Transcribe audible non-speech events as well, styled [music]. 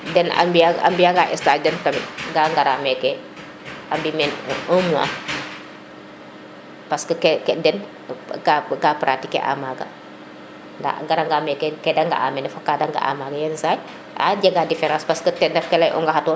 den ambiya nga stage den bo pare ga ngara meke [noise] a mbi meen 1 mois parce den ka pratique ke a maga nda a ngara nga meke ke de nga a mene fo ke de ŋa a mana yenisaay a jega difference parce que ten ref ke ley onga xator